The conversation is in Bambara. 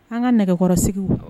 An ka nɛgɛkɔrɔ segu